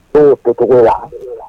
Kow ke togola